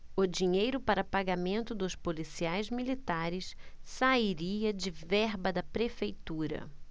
o dinheiro para pagamento dos policiais militares sairia de verba da prefeitura